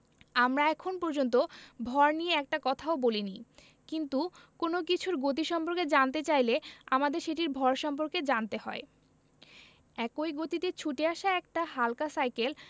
আমরা এখন পর্যন্ত ভর নিয়ে একটা কথাও বলিনি কিন্তু কোনো কিছুর গতি সম্পর্কে জানতে চাইলে আমাদের সেটির ভর সম্পর্কে জানতে হয় একই গতিতে ছুটে আসা একটা হালকা সাইকেল